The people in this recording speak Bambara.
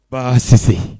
Baasi